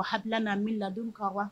Hakilil' a mi ladon ka wa